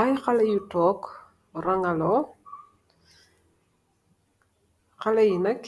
Ay haleeh yuuh toog rageh looh , haleeh yih naak